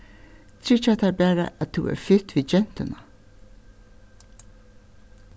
tryggja tær bara at tú ert fitt við gentuna